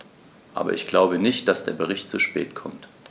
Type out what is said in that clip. Aber ich glaube nicht, dass der Bericht zu spät kommt.